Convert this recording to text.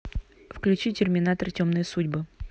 включи терминатор темные судьбы